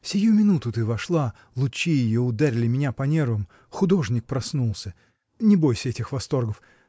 Сию минуту ты вошла, лучи ее ударили меня по нервам, художник проснулся! Не бойся этих восторгов.